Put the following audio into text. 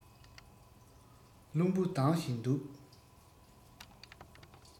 རླུང བུ ལྡང བཞིན འདུག